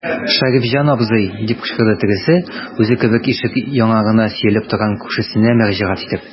Шәрифҗан абзый, - дип кычкырды тегесе, үзе кебек ишек яңагына сөялеп торган күршесенә мөрәҗәгать итеп.